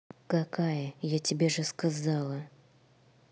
какая я тебе же сказала